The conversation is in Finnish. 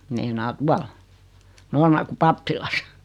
meinaan tuolla Noormarkun pappilassa